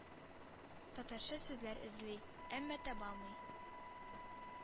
Татарча сүзләр эзли, әмма табалмый,